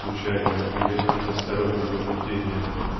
случайным или односторонним побуждениям